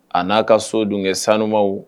A n'a ka so don kɛ sanuma